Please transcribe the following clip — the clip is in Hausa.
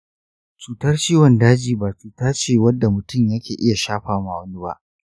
cutar ciwon daji ba cuta ce wadda mutum yake iya shafa ma wani ba?